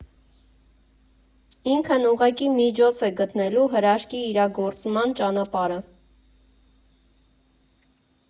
Ինքն ուղղակի միջոց է՝ գտնելու հրաշքի իրագործման ճանապարհը։